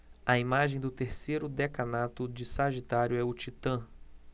a imagem do terceiro decanato de sagitário é o titã